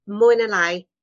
mwy ne' lai